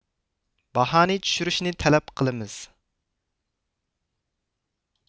باھانى چۈشۈرۈشنى تەلەپ قىلىمىز